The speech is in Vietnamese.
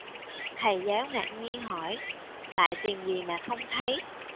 thầy giáo ngạc nhiên hỏi lại tìm gì mà không thấy